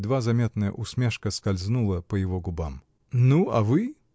едва заметная усмешка скользнула по его губам. -- Ну, а вы?